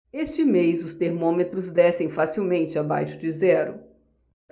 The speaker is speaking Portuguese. este mês os termômetros descem facilmente abaixo de zero